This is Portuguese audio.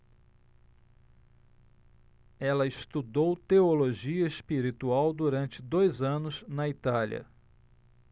ela estudou teologia espiritual durante dois anos na itália